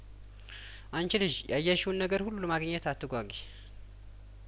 የሰርጉ አንቺ ልጅ ያየሽውን ነገር ሁሉ ለማግኘት አትጓጉ ወጥ ኩችም ተደርጐ ነው የተሰራው